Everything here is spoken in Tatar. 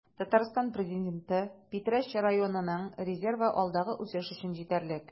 Татарстан Президенты: Питрәч районының резервы алдагы үсеш өчен җитәрлек